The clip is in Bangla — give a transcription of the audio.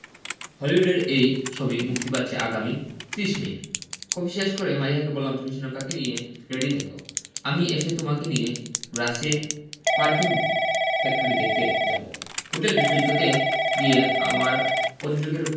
হলিউডের এই ছবি মুক্তি পাচ্ছে আগামী ৩০ মে কফি শেষ করেই মালিহাকে বললাম তুমি শ্যানকাকে নিয়ে রেডি থেকো আমি এসেই তোমাদের নিয়ে গ্রাসে পারফিউম ফ্যাক্টরি দেখতে যাবো হোটেলের সৈকতে গিয়ে আমার পযোজকের